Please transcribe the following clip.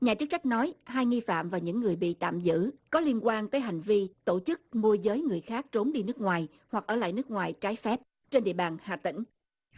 nhà chức trách nói hai nghi phạm và những người bị tạm giữ có liên quan tới hành vi tổ chức môi giới người khác trốn đi nước ngoài hoặc ở lại nước ngoài trái phép trên địa bàn hà tĩnh